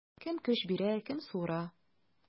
Кем көч бирә, кем суыра.